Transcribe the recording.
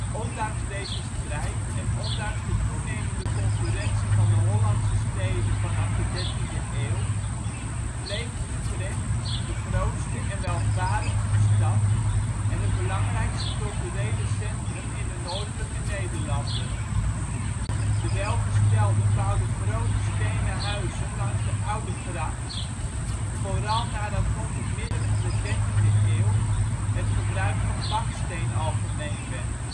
Ondanks deze strijd en ondanks de toenemende concurrentie van de Hollandse steden vanaf de dertiende eeuw, bleef Utrecht de grootste en welvarendste stad en het belangrijkste culturele centrum in de Noordelijke Nederlanden. De welgestelden bouwden grote stenen huizen langs de Oudegracht, vooral nadat rond het midden van de dertiende eeuw het gebruik van baksteen algemeen werd